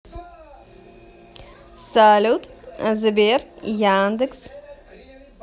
салют сбер яндекс